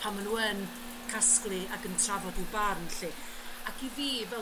pan ma' n'w yn casglu ag yn trafod i'w barn 'llu? Ag i fi fel